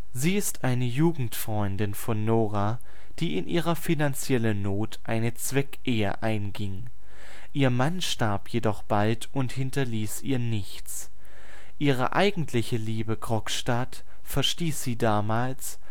Sie ist eine Jugendfreundin von Nora, die in ihrer finanziellen Not eine Zweckehe einging. Ihr Mann starb jedoch bald und hinterließ ihr nichts. Ihre eigentliche Liebe Krogstad verstieß sie damals